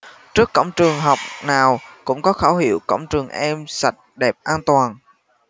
trước cổng trường học nào cũng có khẩu hiệu cổng trường em sạch đẹp an toàn